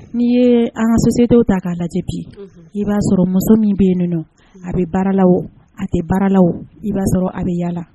N'i ye an ka soso setew ta k'a lajɛ jate i b'a sɔrɔ muso min bɛ yen ninnu a bɛ baara la o a tɛ baaralaw o i b'a sɔrɔ a bɛ yalala